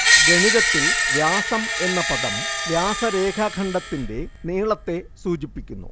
ഗണിതത്തിൽ വ്യാസം എന്ന പദം വ്യാസരേഖാഖണ്ഡത്തിന്റെ നീളത്തെ സൂചിപ്പിക്കുന്നു